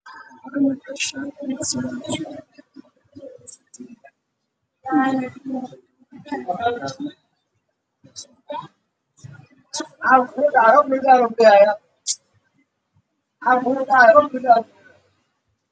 Meshan waxaa iiga muuqda shaati surwaal iyo kabo cadaan ah